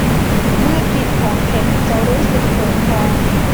เมื่อกินของเผ็ดจะรู้สึกปวดท้อง